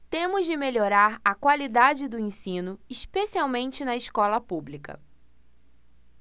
temos de melhorar a qualidade do ensino especialmente na escola pública